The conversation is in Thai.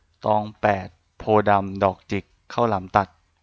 ตองแปดโพธิ์ดำดอกจิกข้าวหลามตัด